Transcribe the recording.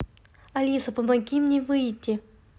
алиса помоги мне выйти